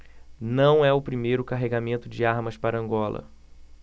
não é o primeiro carregamento de armas para angola